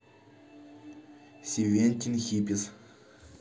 севентин хипис